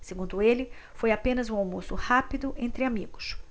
segundo ele foi apenas um almoço rápido entre amigos